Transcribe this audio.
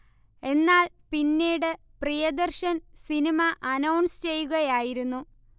എന്നാൽ പിന്നീട് Priyadarshan cinema announce ചെയ്കയായിരുന്നു